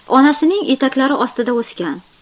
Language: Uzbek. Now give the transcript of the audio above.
onasining etaklari ostida o'sgan